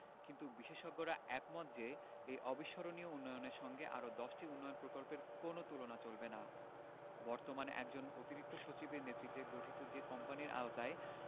কিন্তু বিশেষজ্ঞরা একমত যে এই অবিস্মরণীয় উন্নয়নের সঙ্গে আর দশটি উন্নয়ন প্রকল্পের কোনো তুলনা চলবে না বর্তমানে একজন অতিরিক্ত সচিবের নেতৃত্বে গঠিত যে কোম্পানির আওতায়